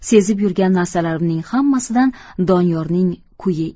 sezib yurgan narsalarimning hammasidan doniyorning kuyi